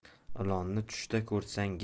ilonni tushda ko'rsang